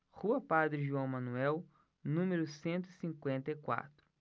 rua padre joão manuel número cento e cinquenta e quatro